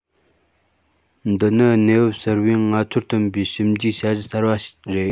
འདི ནི གནས བབ གསར པས ང ཚོར བཏོན པའི ཞིབ འཇུག བྱ གཞི གསར པ རེད